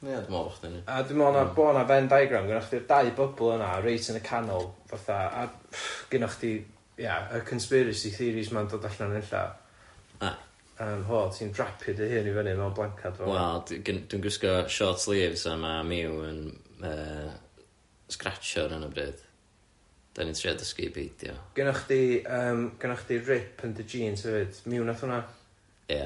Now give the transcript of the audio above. Ie dwi'n meddwl bo' chdi'n... A dwi'n meddwl o ran bo' 'na venn diagram gynna chdi'r dau bubble yna reit yn y canol fatha a gynnoch chdi ia y conspiracy theories ma'n dod allan ella, yym, Hywel ti'n drapio dy hun i fyny mewn blancad fel... Wel d- gyn- dwi'n gwisgo short sleeves a ma' Miw yn yy scratchio ar hyn o bryd, 'dan ni'n trio dysgu hi beidio. Gynnoch chdi yym gynnoch chdi rip yn dy jeans hefyd, Miw 'nath hwnna? Ia.